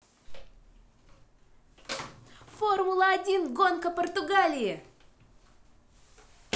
формула один гонка португалии